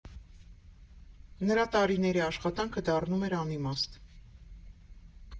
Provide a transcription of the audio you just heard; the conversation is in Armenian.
Նրա տարիների աշխատանքը դառնում էր անիմաստ։